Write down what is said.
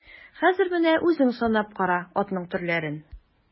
Хәзер менә үзең санап кара атның төрләрен.